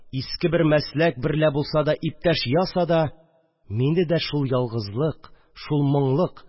Иске бер мәсләк берлә булса да иптәш яса да, мине дә шул ялгызлык